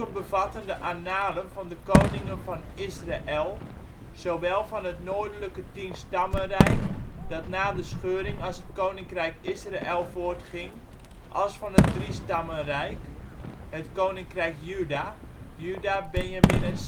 bevatten de annalen van de koningen van Israël, zowel van het noordelijke tien-stammenrijk, dat na de scheuring als het koninkrijk Israël voortging, als van het drie-stammenrijk, het koninkrijk Juda (Juda, Benjamin en